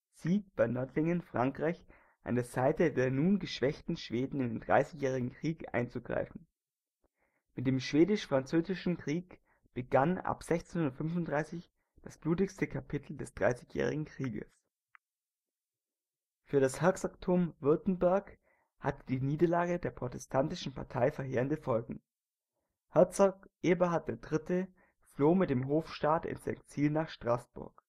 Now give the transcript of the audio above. Sieg bei Nördlingen Frankreich, an der Seite der nun geschwächten Schweden in den Dreißigjährigen Krieg einzugreifen. Mit dem Schwedisch-Französischen Krieg begann ab 1635 das blutigste Kapitel des Dreißigjährigen Krieges. Für das Herzogtum Württemberg hatte die Niederlage der protestantischen Partei verheerende Folgen. Herzog Eberhard III. floh mit dem Hofstaat ins Exil nach Straßburg